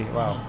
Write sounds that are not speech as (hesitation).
(hesitation) (hesitation)